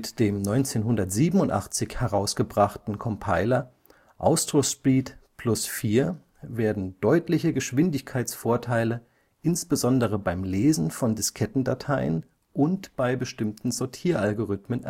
dem 1987 herausgebrachten Compiler Austrospeed +4 werden deutliche Geschwindigkeitsvorteile insbesondere beim Lesen von Diskettendateien (bis zu 20 mal schneller) und bei bestimmten Sortieralgorithmen